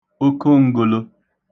okon̄gōlō